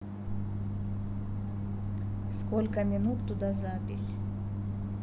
сколько минут туда запись